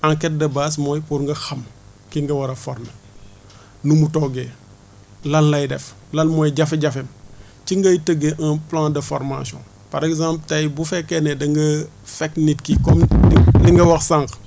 enquête de base mooy pour nga xam ki nga war a former nu mu toogee lan lay def lan mooy jafe-jafe ci ngay tëggee un plan de formation par exemple tey bu fekkee ne da nga fekk nit ki comme li nga wax sànq